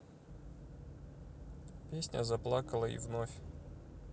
песня заплакала и вновь